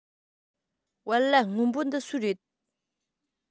བལ ལྭ སྔོན པོ འདི སུའི རེད